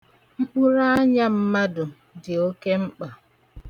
Mkpụrụanya mmadụ dị oke mkpa.